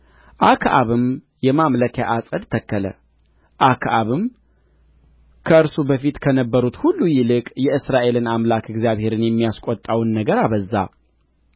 አክዓብም ከእርሱ በፊት ከነበሩት ሁሉ ይልቅ የእስራኤልን አምላክ እግዚአብሔርን የሚያስቈጣውን ነገር አበዛ